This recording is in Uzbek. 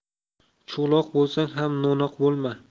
cho'loq bo'lsang ham no'noq bo'lma